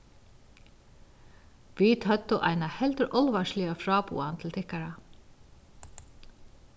vit høvdu eina heldur álvarsliga fráboðan til tykkara